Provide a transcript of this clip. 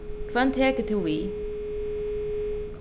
hvønn tekur tú við